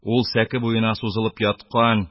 Ул сәке буена сузылып яткан,